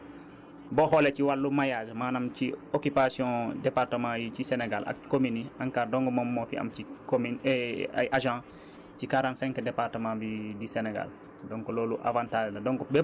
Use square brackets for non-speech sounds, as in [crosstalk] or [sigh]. parce que boo xoolee ci wàllum maillage maanaam ci occupation départements yi ci Sénégal ak communes yi ANCAR dong moom moo fi am ci commune [hesitation] ay agents ci quarante cinq département du du Sénégal donc loolu avantage la